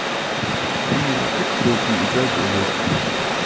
venjarin varð illur tí eg gjørdi ov lítið